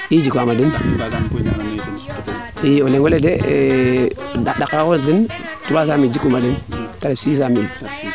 i jik waama den kay i o leŋole de ba xa daqa xe 300 mille jik wuma den te ref 600 mille